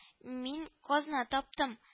Мин казна таптым